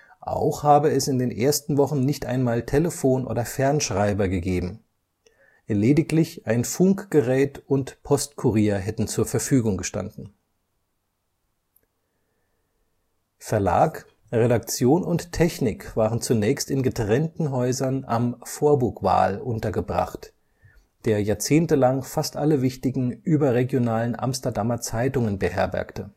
Auch habe es in den ersten Wochen nicht einmal Telefon oder Fernschreiber gegeben, lediglich ein Funkgerät und Postkurier hätten zur Verfügung gestanden. Verlag, Redaktion und Technik waren zunächst in getrennten Häusern am Voorburgwal untergebracht, der jahrzehntelang fast alle wichtigen überregionalen Amsterdamer Zeitungen beherbergte